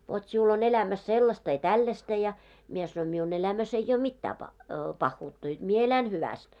vot sinulla on elämässä sellaista ja tällaista ja minä sanoin minun elämässä ei ole mitään - pahuutta jotta minä elän hyvästi